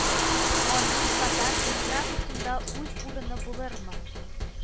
Аның татар эстрадасында үз урыны булырмы